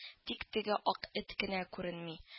Тик теге ак эт кенә күренми